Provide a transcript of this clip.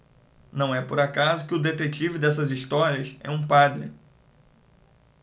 não é por acaso que o detetive dessas histórias é um padre